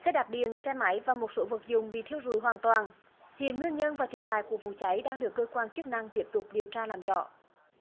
xe đạp điện xe máy và một số vật dụng bị thiêu rụi hoàn toàn hiện nguyên nhân và thiệt hại của vụ cháy đang được cơ quan chức năng tiếp tục điều tra làm rõ